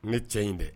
Ŋa cɛ in dɛ